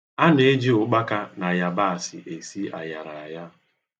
A na-eji ụkpaka na yabasi esi ayaraaya.